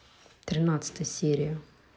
тринадцатая серия